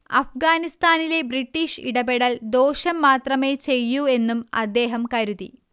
അഫ്ഗാനിസ്താനിലെ British ഇടപെടൽ ദോഷം മാത്രമേ ചെയ്യൂ എന്നും അദ്ദേഹം കരുതി